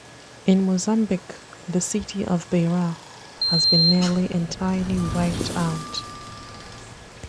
In Mozambique, the city of Beira has been nearly entirely wiped out.